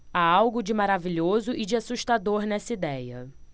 há algo de maravilhoso e de assustador nessa idéia